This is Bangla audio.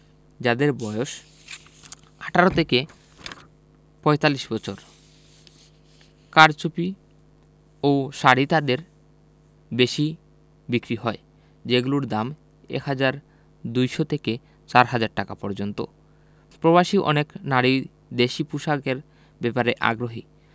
যাঁদের বয়স ১৮ থেকে ৪৫ বছর কারচুপি ও শাড়ি তাঁদের বেশি বিক্রি হয় যেগুলোর দাম ১ হাজার ২০০ থেকে ৪ হাজার টাকা পর্যন্ত প্রবাসী অনেক নারীই দেশি পোশাকের ব্যাপারে আগ্রহী